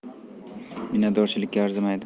minnatdorchilikka arzimaydi